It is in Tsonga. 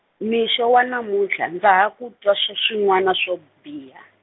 mixo wa namutlha ndza ha ku twa xa swin'wana swo, biha.